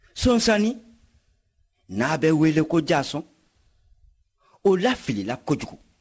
sonsannin n'a bɛ wele ko jaason o lafilila kojugu